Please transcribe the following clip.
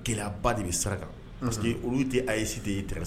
Kɛlɛba de bɛ saraka parce que olu tɛ ayi ye si de